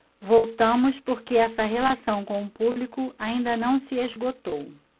voltamos porque essa relação com o público ainda não se esgotou